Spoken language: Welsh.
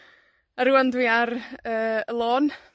A rŵan dwi ar, yy, y lôn.